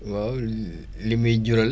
waaw li muy jural